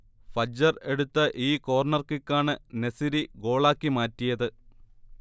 Fajr എടുത്ത ഈ corner കിക്കാണ് നെസിരി ഗോളാക്കി മാറ്റിയത്